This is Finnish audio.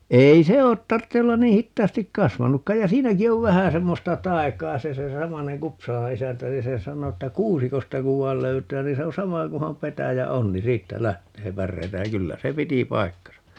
ei se ole tarvitse olla niin hitaasti kasvanutkaan ja siinäkin on vähän semmoista taikaa se se samainen Kupsalan isäntä se se sanoi että kuusikosta kun vain löytää niin se on sama kunhan petäjä on niin siitä lähtee päreitä ja kyllä se piti paikkansa